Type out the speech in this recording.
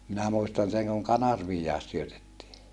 minä muistan sen kun kanerviakin syötettiin